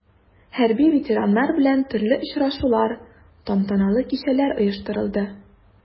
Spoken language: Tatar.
Хәрби ветераннар белән төрле очрашулар, тантаналы кичәләр оештырылды.